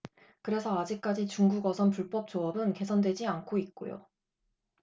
그래서 아직까지 중국어선 불법조업은 개선되지 않고 있고요